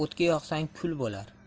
o'tga yoqsang kul bo'lar